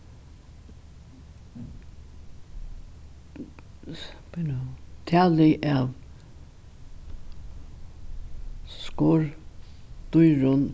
bíða nú talið av skordýrum